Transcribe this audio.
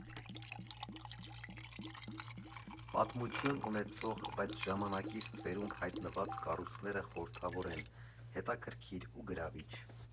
Պատմություն ունեցող, բայց ժամանակի ստվերում հայտնված կառույցները խորհրդավոր են, հետաքրքիր ու գրավիչ։